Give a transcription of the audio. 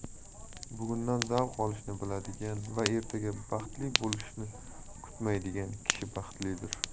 bugundan zavq olishni biladigan va ertaga baxtli bo'lishini kutmaydigan kishi baxtlidir